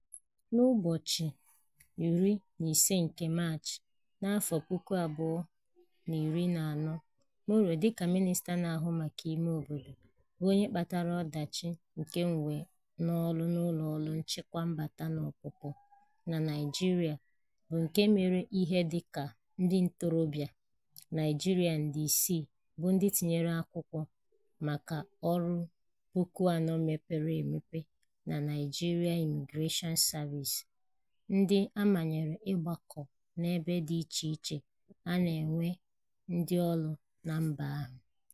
N'ụbọchị 15 nke Maachị, 2014, Moro dịka mịnịsta na-ahụ maka ime obodo, bụ onye kpatara ọdachi nke Mwenọrụ n'Ụlọọrụ Nchịkwa Mbata na Ọpụpụ na Naịjirịa bụ nke mere ihe dị ka ndị ntorobịa Naịjirịa nde 6 bụ ndị tinyere akwụkwọ maka ọrụ 4,000 mepere emepe na Nigerian Immigration Service ndị a manyere ịgbakọ n'ebe dị iche iche a na-ewe ndị ọrụ na mba ahụ.